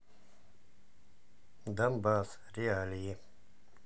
донбасс реалии